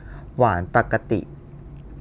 หวานปกติ